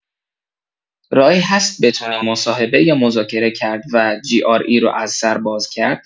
راهی هست بتونیم مصاحبه یا مذاکره کرد و GRE رو از سر باز کرد؟